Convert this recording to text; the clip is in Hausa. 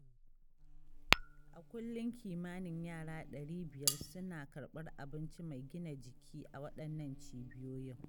A kullum kimanin yara 500 suna karɓar abinci mai gina jiki a waɗannan cibiyoyin.